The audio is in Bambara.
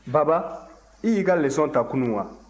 baba i y'i ka lecon ta kunun wa